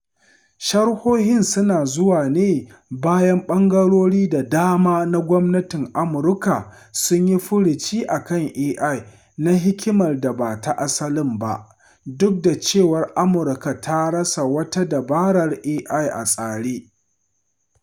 Sharhohin suna zuwa ne bayan ɓangarori da dama na gwamnatin Amurka sun yi furuci a kan AI na hikimar da ba ta asalin ba, duk da cewa Amurka ta rasa wata dabarar AI a tsare.